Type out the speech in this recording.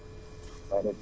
alloo salaamaaleykum